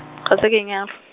ga se ke nyalw- .